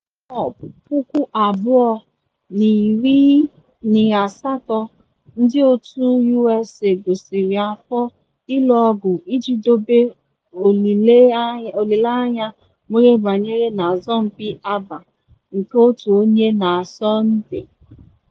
Ryder Cup 2018: Ndị otu USA gosiri afọ ịlụ ọgụ iji dobe olile anya were banye na asompi agba nke otu onye na Sọnde